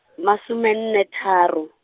masome nne tharo.